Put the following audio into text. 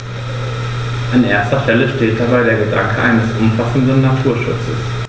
An erster Stelle steht dabei der Gedanke eines umfassenden Naturschutzes.